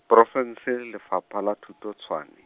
porofense Lefapha la Thuto Tshwane.